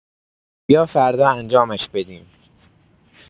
بیا فردا انجامش بدیم.